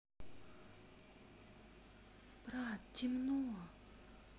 брат темно